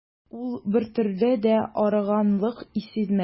Ул бертөрле дә арыганлык сизмәде.